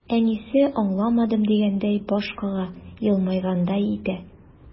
Әнисе, аңладым дигәндәй баш кага, елмайгандай итә.